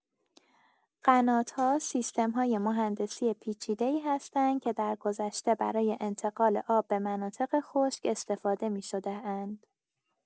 قنات‌ها سیستم‌های مهندسی پیچیده‌ای هستند که درگذشته برای انتقال آب به مناطق خشک استفاده می‌شده‌اند.